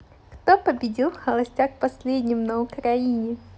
кто победил в холостяк последним на украине